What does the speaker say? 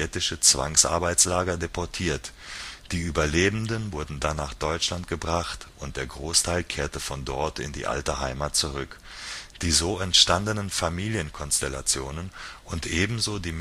Zwangsarbeitslager deportiert. Die Überlebenden wurden dann nach Deutschland gebracht und der Großteil kehrte von dort in die alte Heimat zurück. Die so entstandenen Familienkonstellationen und ebenso die